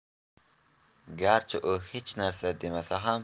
garchi u hech narsa demasa ham